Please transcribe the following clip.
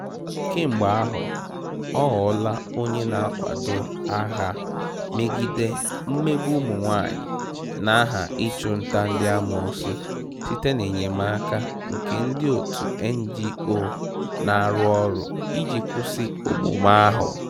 Kemgbe ahụ, ọ ghọọla onye na-akwado agha megide mmegbu ụmụ nwaanyị n'aha ịchụnta ndị amoosu site n'enyemaaka nke ndị òtù NGO na-arụ ọrụ iji kwụsị omume ahụ.